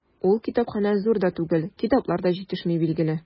Ул китапханә зур да түгел, китаплар да җитешми, билгеле.